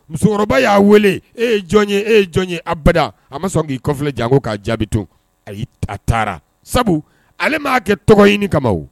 Musokɔrɔba y'a weele, E ye jɔn ye? E ye jɔn ye? Abada , a ma sɔn k'i kɔfilɛ janko k'a jaabi tun. A y a taara sabu ale m'a kɛ tɔgɔ ɲini kama!